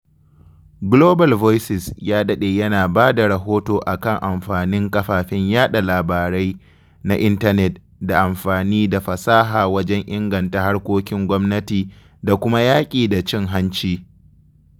Global Voices ya daɗe yana ba da rahoto a kan amfanin kafafen yaɗa labarai na intanet da amfani da fasaha wajen inganta harkokin gwamnati da kuma yaƙi da cin-hanci.